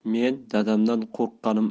men dadamdan qo'rqqanim